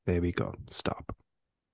There we go. Stop.